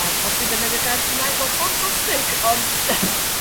Ag os dwi'n defnyddio gair Cymraeg fel fantastic ond...